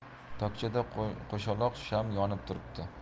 tokchada qo'shaloq sham yonib turibdi